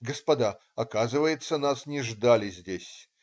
"Господа, оказывается, нас не ждали здесь.